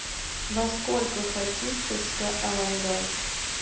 во сколько хотится ска авангард